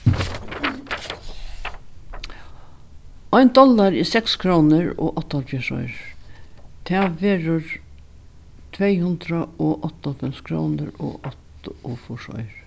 ein dollari er seks krónur og áttaoghálvfjerðs oyrur tað verður tvey hundrað og áttaoghálvfems krónur og áttaogfýrs oyrur